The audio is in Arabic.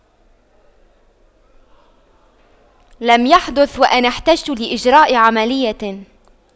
لم يحدث وأن احتجت لإجراء عملية